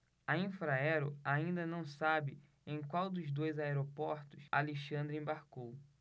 a infraero ainda não sabe em qual dos dois aeroportos alexandre embarcou